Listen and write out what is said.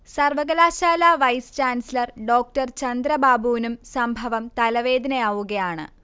സർവ്വകലാശാല vice chancellor ഡോ. ചന്ദ്രബാബുവിനും സംഭവം തലവേദനയാവുകയാണ്